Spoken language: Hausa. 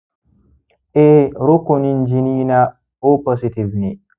eh rukunin jini na o positive ne